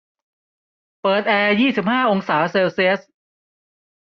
เปิดแอร์ยี่สิบห้าองศาเซลเซียส